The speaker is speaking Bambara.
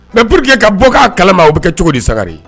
Mɛ purke ka bɔ k'a kalama o bɛ kɛ cogodisari ye